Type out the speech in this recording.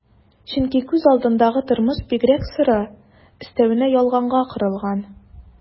Чөнки күз алдындагы тормыш бигрәк соры, өстәвенә ялганга корылган...